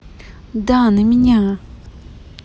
да на меня